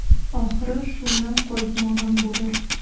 Ахры, шуннан кайтмаган булыр.